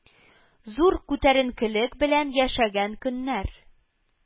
Зур күтәренкелек белән яшәгән көннәр